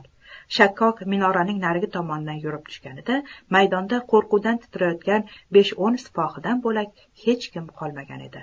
shakkok minoraning narigi tomonidan yurib tushganida maydonda qo'rquvdan titrayotgan besh o'n sipohidan bo'lak hech kim qolmagan edi